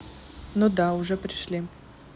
ну да уже пришли